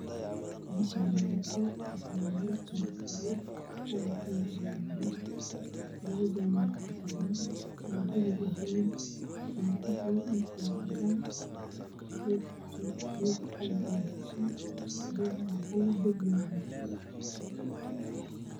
Meeshaani waa qol waxaa yaalo labo sariir kalarkeedu cadaan yahay labo joowari ayaa saaran waa buluug iyo qalin Iyo qaxwi dhulka waa cadaan buluug qalin ayaa fidsan daaha waa qalin darbiga waa cadays